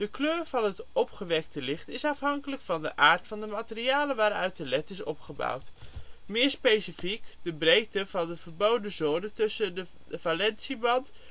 kleur van het opgewekte licht is afhankelijk van de aard van de materialen waaruit de led is opgebouwd, meer specifiek de breedte van de verboden zone tussen de valentieband